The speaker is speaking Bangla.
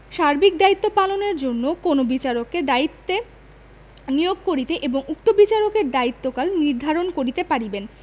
সার্বিক দায়িত্ব পালনের জন্য কোন বিচারককে দায়িত্বে নিয়োগ করিতে এবং উক্ত বিচারকের দায়িত্বকাল নির্ধারণ করিতে পারিবেন